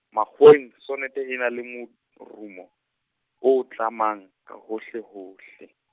makgoweng, sonete e na le morumo, o tlamang, ka hohlehohle.